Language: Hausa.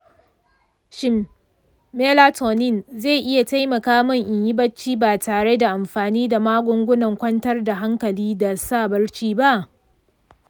shin melatonin zai iya taimaka min in yi bacci ba tare da amfani da magungunan kwantar da hankali da sa barci ba?